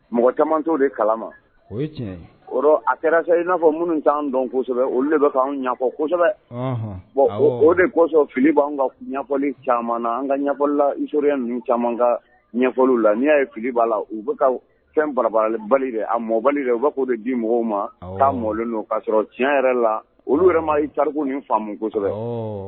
Mɔgɔ caman de kalama o a kɛra i n'a fɔ minnu' dɔnsɛbɛ olu de bɛ anwfɔsɛbɛ o desɔ filian ka ɲɛfɔli caman na an kalilatoroya ninnu caman ka ɲɛfɔliw la n y'a fili'a la u bɛ ka fɛn barabarara bali a mɔ u bɛ' de di mɔgɔw ma'a mɔlen o ka sɔrɔ tiɲɛ yɛrɛ la olu yɛrɛ ma i cariku ni faamumusɛbɛ